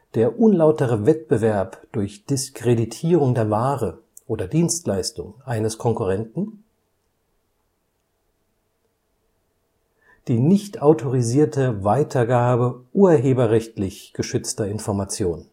der unlautere Wettbewerb durch Diskreditierung der Ware oder Dienstleistung eines Konkurrenten. die nichtautorisierte Weitergabe urheberrechtlich geschützter Informationen